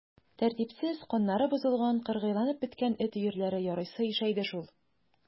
Тәртипсез, каннары бозылган, кыргыйланып беткән эт өерләре ярыйсы ишәйде шул.